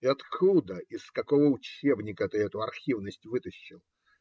И откуда, из какого учебника ты эту архивность вытащил?